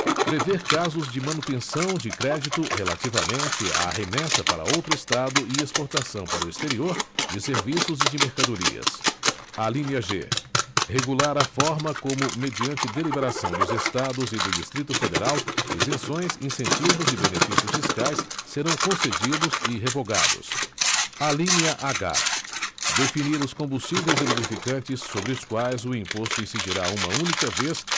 prever casos de manutenção de crédito relativamente à remessa para outro estado e exportação para o exterior de serviços e de mercadorias alínea g regular a forma como mediante deliberação dos estados e do distrito federal isenções incentivos e benefícios fiscais serão concedidos e revogados alínea h definir os combustíveis e lubrificantes sobre os quais o imposto incidirá uma única vez